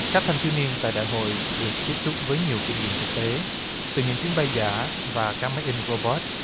các thanh thiếu niên tại đại hội được tiếp xúc với nhiều kinh nghiệm thực tế từ những chuyến bay giả và các máy in rô bốt